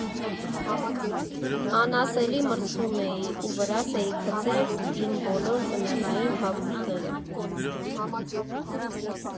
Անասելի մրսում էի ու վրաս էի գցել իմ բոլոր ձմեռային հագուստները.